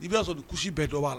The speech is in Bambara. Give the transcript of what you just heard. I ba sɔrɔ nin kusi bɛɛ dɔ ba la.